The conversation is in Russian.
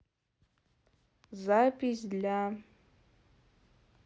запись для